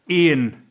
Un